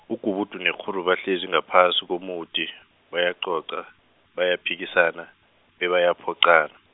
ugubudu nekghuru bahlezi ngaphasi komuthi, bayacoca, bayaphikisana, bebayaphoqana.